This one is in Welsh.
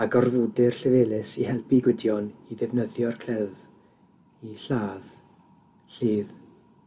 a gorfodir Llefelys i helpu Gwydion i ddefnyddio'r cleddf i lladd Lludd.